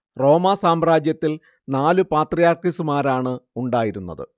റോമാ സാമ്രാജ്യത്തിൽ നാലു പാത്രിയാർക്കീസുമാരാണ് ഉണ്ടായിരുന്നത്